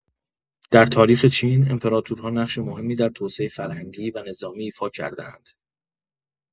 در تاریخ چین، امپراطورها نقش مهمی در توسعه فرهنگی و نظامی ایفا کرده‌اند.